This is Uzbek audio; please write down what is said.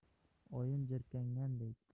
oyim jirkangandek